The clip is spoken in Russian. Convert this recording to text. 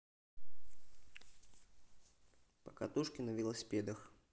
покатушки на велосипедах